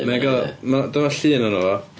Wnai gal, dyma llun ohono fo.